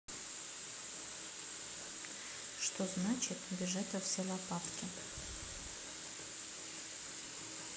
что значит бежать во все лопатки